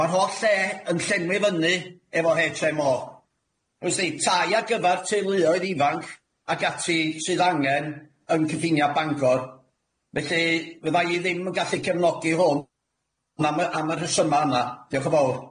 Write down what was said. Ma'r holl lle yn llenwi fyny efo Heitch Em O. Wnest di tai ar gyfar teuluoedd ifanc ag ati sydd angen yn cyffinia Bangor felly fyddai i ddim yn gallu cefnogi hwn na'm y am y rhesyma' yna. Dioch yn fowr. Iawn.